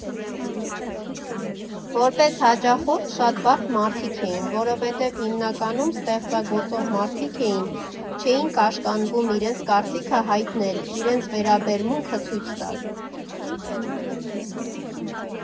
Որպես հաճախորդ՝ շատ բարդ մարդիկ էին, որովհետև հիմնականում ստեղծագործող մարդիկ էին, չէին կաշկանդվում իրենց կարծիքը հայտնել, իրենց վերաբերմունքը ցույց տալ։